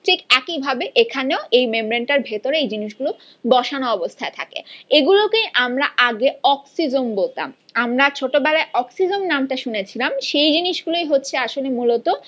ঠিক একইভাবে এখানেও মেমব্রেন টার ভেতরে বসান অবস্থায় থাকে এগুলো কে আগে আমরা অক্সিজোম বলতাম আমরা ছোটবেলায় অক্সিজোম নামটা শুনেছিলাম সেই জিনিস গুলোই হচ্ছে আসলে মূলত